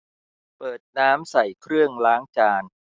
เปิดน้ำใส่เครื่องล้างจาน